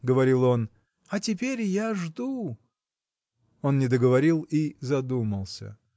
— говорил он, — а теперь я жду. Он не договорил и задумался.